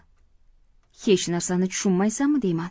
hech narsani tushunmaysanmi deyman